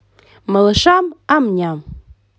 малыш ам ням